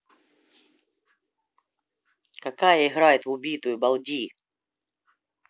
какая играет в убитую балди